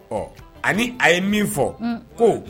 Ɔ ani a ye min fɔ ko